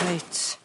Reit.